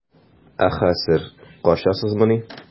Ә хәзер качасызмыни?